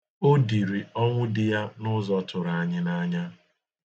O diri ọnwụ di ya n'ụzọ tụrụ anyị n'anya.